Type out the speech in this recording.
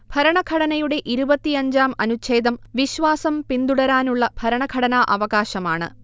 ഭരണഘടനയുടെ ഇരുപത്തിയഞ്ചം അനുചേ്ഛദം വിശ്വാസം പിന്തുടരാനുള്ള ഭരണഘടനാ അവകാശമാണ്